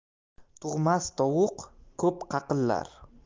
tug'mas tovuq ko'p qaqillar